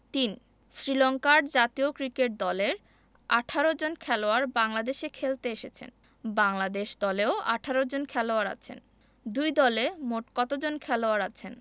৩ শ্রীলংকার জাতীয় ক্রিকেট দলের ১৮ জন খেলোয়াড় বাংলাদেশে খেলতে এসেছেন বাংলাদেশ দলেও ১৮ জন খেলোয়াড় আছেন দুই দলে মোট কতজন খেলোয়াড় আছেন